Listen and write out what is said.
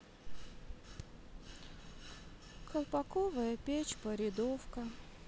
колпаковая печь поредовка